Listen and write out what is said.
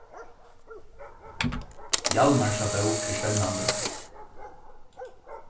hjalmarsa bók er spennandi